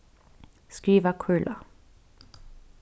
skriva kurla